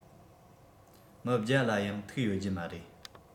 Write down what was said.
མི བརྒྱ ལ ཡང ཐུག ཡོད རྒྱུ མ རེད